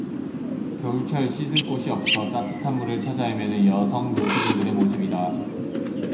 겨울철 씻을 곳이 없어 따뜻한 물을 찾아 헤매는 여성 노숙인들의 모습이다